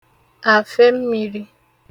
àfe mmīrī